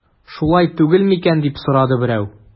Шулай түгел микән дип сорады берәү.